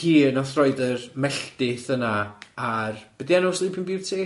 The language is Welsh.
Hi nath roid yr melltith yna ar... Be' 'di enw Sleeping Beauty?